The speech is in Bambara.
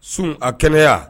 Sun a kɛnɛya